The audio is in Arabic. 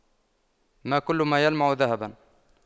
ما كل ما يلمع ذهباً